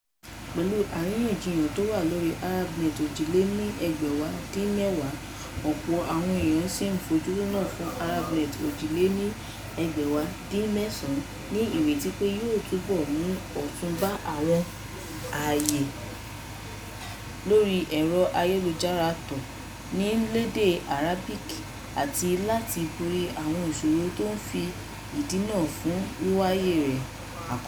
Pẹ̀lu àríyànjiyàn tó wà lórí ArabNet 2010, ọ̀pọ̀ àwọn eèyàn ṣì ń fojúsọ́nà fún ArabNet 2011 ní ìrètí pé yóò túbọ̀ mú ọ̀tun bá àwọn aàyè lórí ẹ̀rọ ayélujárató ń lo èdè Arabic àti láti borí àwọn ìṣòro tó fa ìdínà fún wíwáyé rẹ̀ àkọ́kọ́.